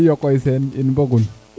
iyo koy Sene in mbogun